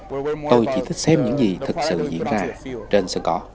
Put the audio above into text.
tôi chỉ thích xem những gì thực sự diễn ra trên sân cỏ